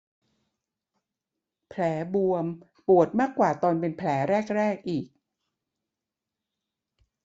แผลบวมปวดมากกว่าตอนเป็นแผลแรกแรกอีก